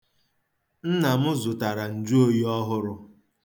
Nna m zụtara njụoyi ọhụrụ.